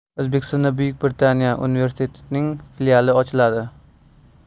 o'zbekistonda buyuk britaniya universitetining filiali ochiladi